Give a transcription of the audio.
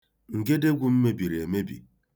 Ngedegwu m mebiri emebi.